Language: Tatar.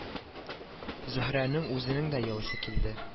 Зөһрәнең үзенең дә елыйсы килде